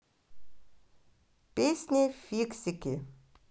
песни фиксики